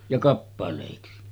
ja kappaleiksi